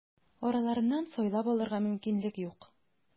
Араларыннан сайлап алырга мөмкинлек юк.